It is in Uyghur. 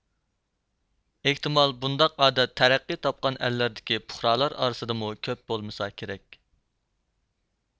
ئېھتىمال بۇنداق ئادەت تەرەققىي تاپقان ئەللەردىكى پۇقرالار ئارىسىدىمۇ كۆپ بولمىسا كېرەك